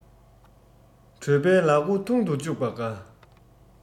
གྲོད པའི ལག མགོ ཐུང དུ བཅུག པ དགའ